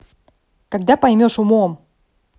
когда поймешь умом